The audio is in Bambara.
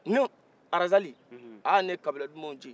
ne arazali ahh ne ye kabila dumaw ci